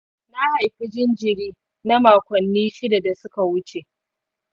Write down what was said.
na haifi jinjiri na makonnin shida da su ka wuce